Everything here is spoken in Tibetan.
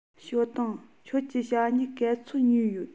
ཞའོ ཏུང ཁྱོད ཀྱིས ཞྭ སྨྱུག ག ཚོད ཉོས ཡོད